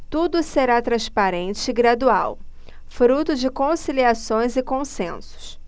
tudo será transparente e gradual fruto de conciliações e consensos